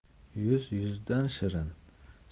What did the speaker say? yuz yuzdan shirin